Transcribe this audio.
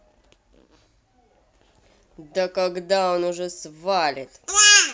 да когда он уже свалит